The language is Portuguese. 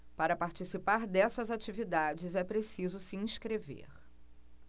para participar dessas atividades é preciso se inscrever